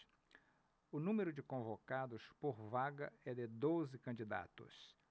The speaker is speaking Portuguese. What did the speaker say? o número de convocados por vaga é de doze candidatos